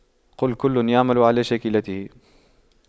قُل كُلٌّ يَعمَلُ عَلَى شَاكِلَتِهِ